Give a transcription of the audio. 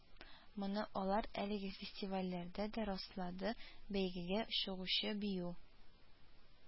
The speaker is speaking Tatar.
Моны алар әлеге фестивальдә дә раслады бәйгегә чыгучы бию